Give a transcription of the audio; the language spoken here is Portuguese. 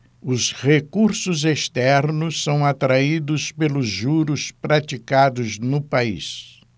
os recursos externos são atraídos pelos juros praticados no país